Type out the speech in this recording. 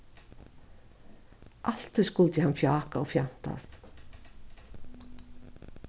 altíð skuldi hann fjáka og fjantast